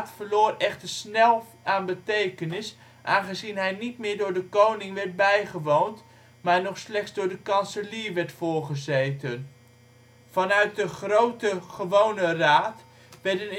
verloor echter snel aan betekenis, aangezien hij ook niet meer door de koning werd bijgewoond, maar nog slechts door de kanselier werd voorgezeten. Vanuit de grote Gewone Raad werden